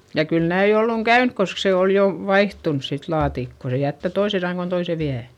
ja kyllä näin ollut käynyt koska se oli jo vaihtunut sitten laatikko se jättää toisen sangon toisen vie